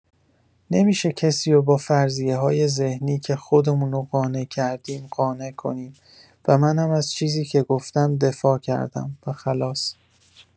نمشه کسیو با فرضیه‌های ذهنی که خودمونو قانع کردیم قانع کنیم و منم از چیزی که گفتم دفاع کردم و خلاص.